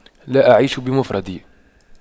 لا أعيش بمفردي